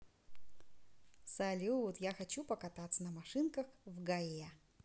салют я хочу покататься на машинках в gaya